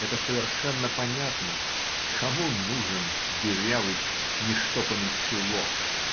Это совершенно понятно, кому нужен дырявый, нештопаный чулок?